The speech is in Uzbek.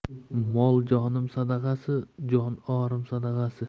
mol jonim sadag'asi jon orim sadag'asi